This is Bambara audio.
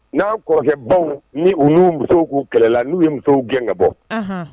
N'an kɔrɔkɛbaw ni u n'u musow tunkɛlɛla n'u ye musow gɛn ka bɔ, anhan